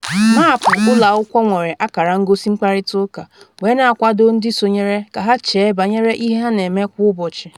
Maapu ụlọ akwụkwọ nwere akara ngosi mkparịta ụka, wee na-akwado ndị sonyere ka ha chee banyere ihe ha na-eme kwa ụbọchị.